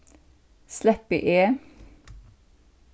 sleppi eg